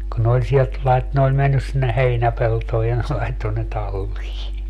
kun ne oli sieltä - ne oli mennyt sinne heinäpeltoon ja ne laittoi ne talliin